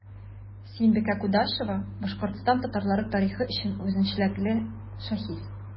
Сөембикә Кудашева – Башкортстан татарлары тарихы өчен үзенчәлекле шәхес.